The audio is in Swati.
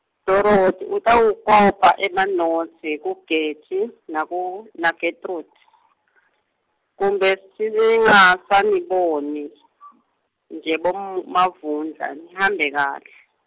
Dorothi utawukopa emanotsi kuGetty nagu- naGetrude , kumbe singasaniboni nje boM- -Mavundla, nihambe kahle.